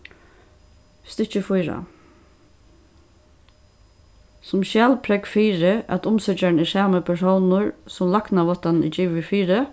stykki fýra sum skjalprógv fyri at umsøkjarin er sami persónur sum læknaváttanin er givin fyri